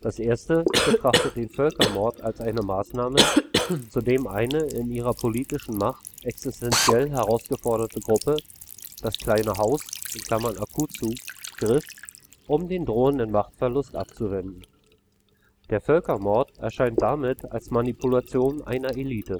Das erste betrachtet den Völkermord als eine Maßnahme, zu dem eine in ihrer politischen Macht existenziell herausgeforderte Gruppe – das „ kleine Haus “(akazu) – griff, um den drohenden Machtverlust abzuwenden. Der Völkermord erscheint damit als Manipulation einer Elite